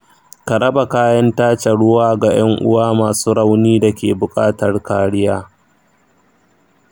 ka raba kayan tace ruwa ga ‘yan uwa masu rauni da ke bukatar kariya.